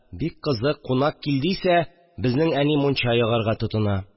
Бик кызык, кунак килдисә, безнең әни мунча ягарга тотына